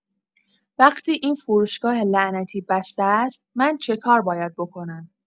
وقتی این فروشگاه لعنتی بسته است، من چه کار باید بکنم؟